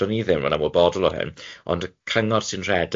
Do'n i ddim yn amwybodol o hyn, ond cyngor sy'n rhedeg